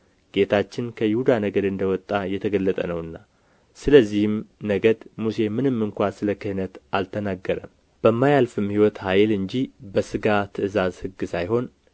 ጌታችን ከይሁዳ ነገድ እንደወጣ የተገለጠ ነውና ስለዚህም ነገድ ሙሴ ምንም እንኳ ስለ ክህነት አልተናገረም በማያልፍም ሕይወት ኃይል እንጂ በሥጋ ትእዛዝ ሕግ ሳይሆን